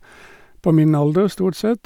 På min alder, stort sett.